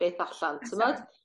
beth allan t'mod?